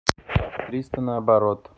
триста наоборот